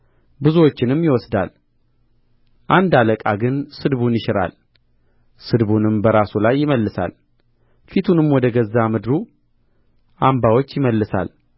ብዙዎችንም ይወስዳል አንድ አለቃ ግን ስድቡን ይሽራል ስድቡንም በራሱ ላይ ይመልሳል ፊቱንም ወደ ገዛ ምድሩ አምባዎች ይመልሳል